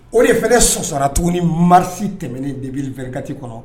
O de fana sɔsɔra tuguni ni marisi tɛmɛnen de bɛ2kati kɔnɔ